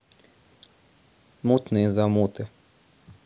мутные замуты